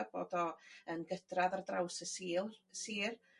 a bod o yn gydradd ar draws y sul sir.